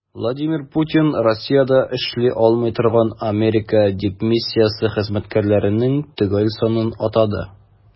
Владимир Путин Россиядә эшли алмый торган Америка дипмиссиясе хезмәткәрләренең төгәл санын атады.